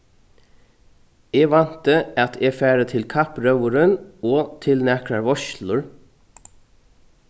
eg vænti at eg fari til kappróðurin og til nakrar veitslur